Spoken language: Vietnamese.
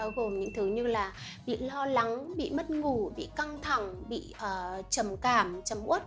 bao gồm những thứ như là bị lo lắng bị mất ngủ bị căng thẳng bị trầm cảm trầm uất